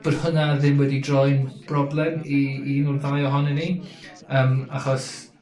bod hwnna ddim wedi droi'n broblem i un o'r ddau ohonyn ni yym achos